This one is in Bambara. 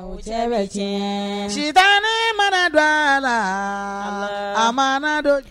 Sɛ sutan mana don a la a mana don